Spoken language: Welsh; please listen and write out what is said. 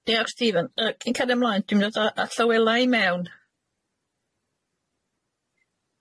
Diolch Stephen. Yy cyn cario mlaen dwi'n mynd i ddod a Llywela i mewn.